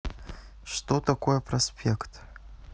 что такое проспект